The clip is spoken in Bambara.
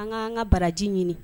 An kaan ka baraji ɲini